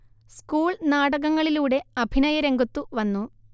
school നാടകങ്ങളിലൂടെ അഭിനയ രംഗത്തു വന്നു